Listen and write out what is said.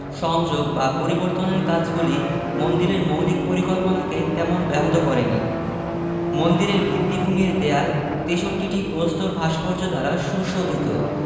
সংযোগ বা পরিবর্তনের কাজগুলি মন্দিরের মৌলিক পরিকল্পনাকে তেমন ব্যাহত করে নি মন্দিরের ভিত্তিভূমির দেয়াল ৬৩টি প্রস্তর ভাস্কর্য দ্বারা সুশোভিত